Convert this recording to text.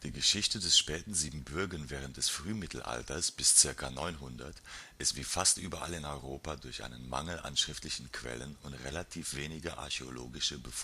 Geschichte des späteren Siebenbürgen während des Frühmittelalters bis ca. 900 ist wie fast überall in Europa durch einen Mangel an schriftlichen Quellen und relativ wenige archäologische